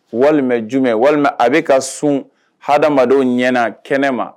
Walima jumɛn walima a bɛ ka sun hadamadenw ɲɛana kɛnɛ ma